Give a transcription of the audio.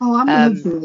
Oh, am lyfli.